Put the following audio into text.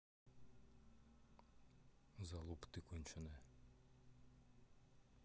залупа ты конченная